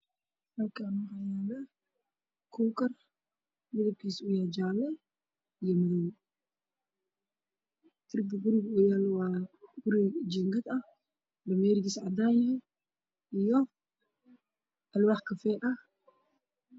Meeshaan waxaa yaalo kuukar midabkiisu waa jaale iyo madow, darbiga guriga waa jiingad kafay ah, laamiyeerigiisu waa cadaan iyo alwaax kafay ah.